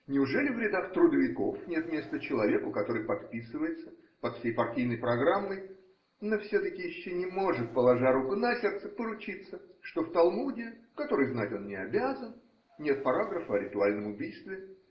Неужели в рядах трудовиков нет места человеку, который подписывается под всей партийной программой, но все-таки еще не может, положа руку на сердце, поручиться, что в Талмуде, который знать он не обязан, нет параграфа о ритуальном убийстве?